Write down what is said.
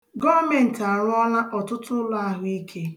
Gọọmentị arụọla ọtụtụ ụlọahụike